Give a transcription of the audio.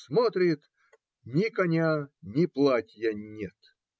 Смотрит - ни коня, ни платья нет.